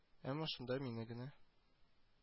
Әмма шунда мине генә